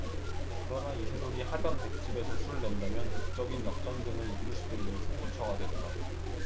그러나 이세돌이 하변 백집에서 수를 낸다면 극적인 역전승을 이끌 수도 있는 승부처가 됐다